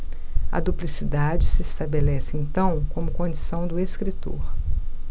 a duplicidade se estabelece então como condição do escritor